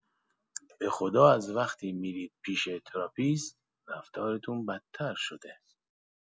به‌خدا از وقتی می‌رید پیش تراپیست، رفتارتون بدتر شده!